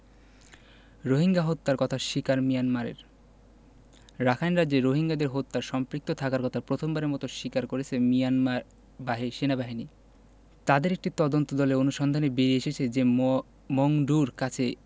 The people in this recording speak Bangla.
রোহিঙ্গা হত্যার কথা স্বীকার মিয়ানমারের রাখাইন রাজ্যে রোহিঙ্গাদের হত্যায় সম্পৃক্ত থাকার কথা প্রথমবারের মতো স্বীকার করেছে মিয়ানমার সেনাবাহিনী তাদের একটি তদন্তদলের অনুসন্ধানে বেরিয়ে এসেছে যে মংডুর কাছে